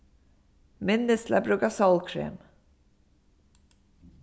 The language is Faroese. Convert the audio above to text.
minnist til at brúka sólkrem